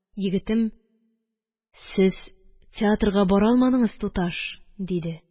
Егетем: – Сез театрга бара алмадыңыз, туташ! – диде.